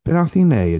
Be wnaeth hi wneud?